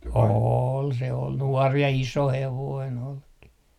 oli se oli nuori ja iso hevonen olikin